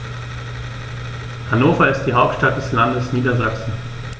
Hannover ist die Hauptstadt des Landes Niedersachsen.